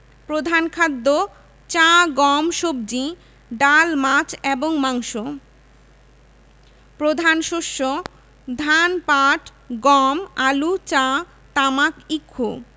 rail সেতুঃ পাবনার ঈশ্বরদী উপজেলায় গঙ্গা নদীর উপর হার্ডিঞ্জ ব্রিজ কিশোরগঞ্জ জেলার ভৈরব উপজেলায় মেঘনা নদীর উপর ভৈরব সেতু